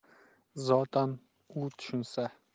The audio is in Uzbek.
zotan u tushunsa